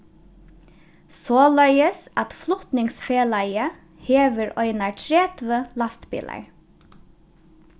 soleiðis at flutningsfelagið hevur einar tretivu lastbilar